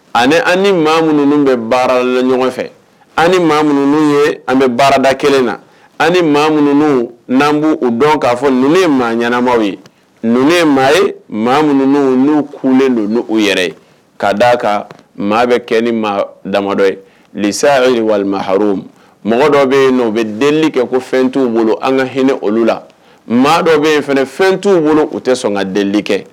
Ani maa minnu bɛ baarala ɲɔgɔn fɛ ani maa minnu ye an bɛ baarada kelen na ani maa minnu n'an b' u dɔn k'a fɔun maa ɲɛnaanama ye maa ye maa minnu n'u kulen don n u yɛrɛ ka d' a kan maa bɛ kɛ ni maa damadɔ ye sa walima haro mɔgɔ dɔ bɛ yen u bɛ deli kɛ ko fɛn t'u bolo an ka hinɛ olu la maa dɔ bɛ yen fɛn t'u bolo u tɛ sɔn ka deli kɛ